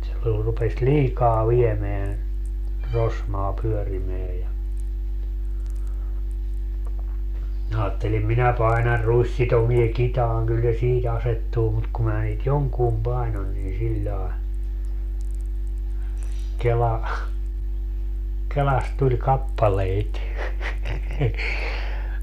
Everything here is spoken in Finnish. se oli rupesi liikaa viemään rosmaa pyörimään ja minä ajattelin minä painan ruissitoimen kitaan kyllä se siitä asettuu mutta kun minä niitä jonkun painoin niin sillä lailla kela kelasta tuli kappaleita